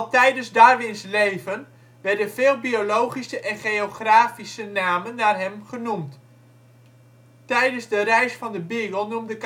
tijdens Darwins leven werden veel biologische en geografische namen naar hem genoemd. Tijdens de reis van de Beagle noemde